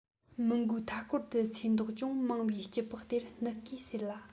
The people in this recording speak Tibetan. མུ མགོའི མཐའ སྐོར དུ ཚོས མདོག ཅུང མང བའི སྐྱི ལྤགས དེར ནུ རྐེད ཟེར ལ